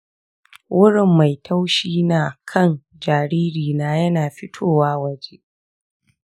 wurin mai taushi na kan jaririna yana fitowa waje.